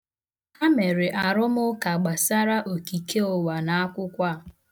Ha mere arụmụka gbasara okike ụwa n' akwụkwọ a.